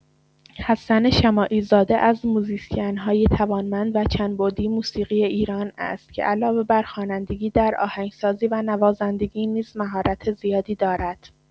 حسن شماعی‌زاده از موزیسین‌های توانمند و چندبعدی موسیقی ایران است که علاوه بر خوانندگی، در آهنگسازی و نوازندگی نیز مهارت زیادی دارد.